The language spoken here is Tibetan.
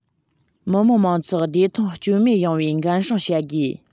མི དམངས མང ཚོགས བདེ ཐང སྐྱོན མེད ཡོང བའི འགན སྲུང བྱ དགོས